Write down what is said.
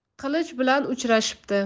qilich bilan uchrashibdi